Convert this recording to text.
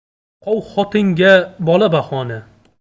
yalqov xotinga bola bahona